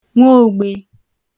nwaogbe